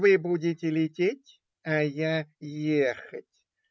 Вы будете лететь, а я ехать.